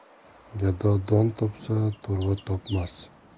gado don topsa to'rva topmas